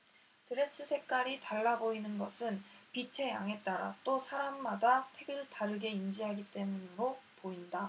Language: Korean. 드레스 색깔이 달라 보이는 것은 빛의 양에 따라 또 사람마다 색을 다르게 인지하기 때문인 것으로 보인다